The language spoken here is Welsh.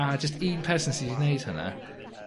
A jyst un person sy 'di wneud hwnna.